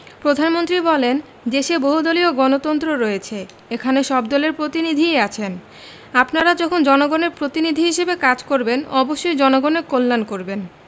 প্রধানমন্ত্রী বলেন দেশে বহুদলীয় গণতন্ত্র রয়েছে এখানে সব দলের প্রতিনিধিই আছেন আপনারা যখন জনগণের প্রতিনিধি হিসেবে কাজ করবেন অবশ্যই জনগণের কল্যাণ করবেন